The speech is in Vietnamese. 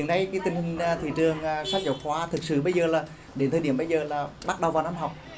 nay cái tình hình thị trường sách giáo khoa thực sự bây giờ là đến thời điểm bây giờ là bắt đầu vào năm học